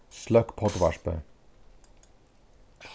sløkk poddvarpið